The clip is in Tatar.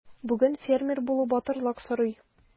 Бүген фермер булу батырлык сорый.